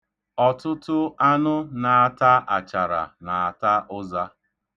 Ọtụtụ anụ na-enye nwa ara na-ata ụza.